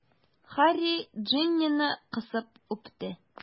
Һарри Джиннины кысып үпте.